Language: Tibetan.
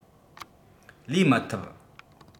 ལས མི ཐུབ